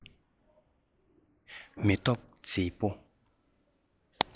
མེ ཏོག མཛེས པོ